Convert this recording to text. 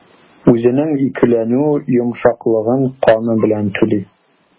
Үзенең икеләнү йомшаклыгын каны белән түли.